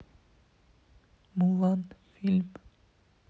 мулан фильм